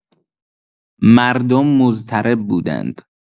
مردم مضطرب بودند.